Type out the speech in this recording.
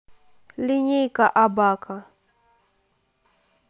линейка абака